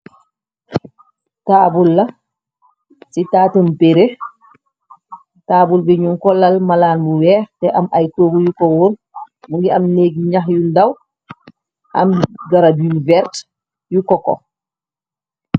Taabul la, ci taatu bere, taabul bi ñu ku lal malaan yu weex te am ay toogu yu ko woor, mu ngi am néegi ñyax yu ndaw, am garab yu vert yu koko.